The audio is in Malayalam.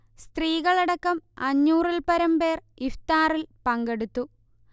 സ്ത്രീകളടക്കം അഞ്ഞൂറിൽ പരം പേർ ഇഫ്താറിൽ പങ്കെടുത്തു